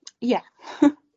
Ie.